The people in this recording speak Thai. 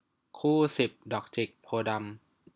คู่สิบดอกจิกโพธิ์ดำ